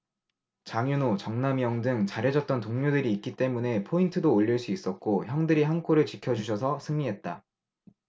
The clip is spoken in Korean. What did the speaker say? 장윤호 정남이형 등 잘해줬던 동료들이 있기 때문에 포인트도 올릴 수 있었고 형들이 한골을 지켜주셔서 승리했다